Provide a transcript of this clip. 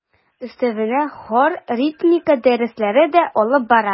Өстәвенә хор, ритмика дәресләре дә алып бара.